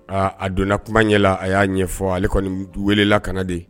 Aaa a donna kuma ɲɛ a y'a ɲɛfɔ ale kɔni welela ka de